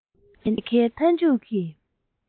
རྒྱལ ཁའི མཐའ མཇུག གི